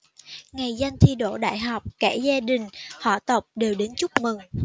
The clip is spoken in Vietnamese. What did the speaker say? ngày danh thi đỗ đại học cả gia đình họ tộc đều đến chúc mừng